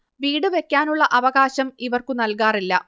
വീട് വെക്കാനുളള അവകാശം ഇവർക്കു നൽകാറില്ല